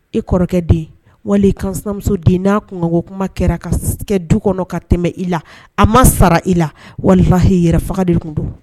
I kɔrɔkɛ den wali kamusoden n'a kungo kuma kɛra ka du kɔnɔ ka tɛmɛ i la a ma sara i la walimahi yɛrɛ faga de tun don